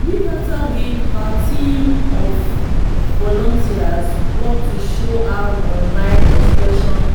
Week after week, our team of volunteers work to show how online expression